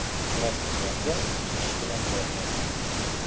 krasnoyarga ish bilan borgan edik